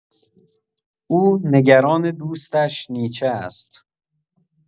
او نگران دوستش، نیچه است.